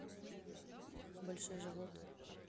большой живот